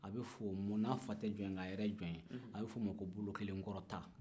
a bɛ f'o ma n'a fa tɛ jɔn ye nka yɛrɛ ye jɔn ye a bɛ f'o ma ko bolokelenkɔrɔta